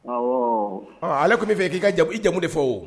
Ɔwɔ ale tun bɛ fɛ k'i ka i jamu de fɔ